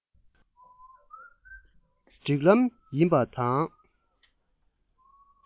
སྒྲིག ལམ ཡིན པ དང